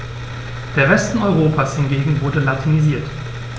Der Westen Europas hingegen wurde latinisiert.